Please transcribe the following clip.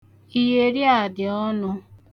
Iyeri a dị ọnụ.